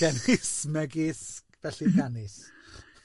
Canis, megis, felly canis.